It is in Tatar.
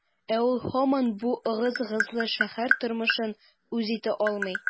Ә ул һаман бу ыгы-зыгылы шәһәр тормышын үз итә алмый.